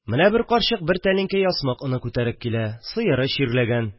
Менә бер карчык бер тәлинкә ясмык оны күтәреп килә – сыеры чирләгән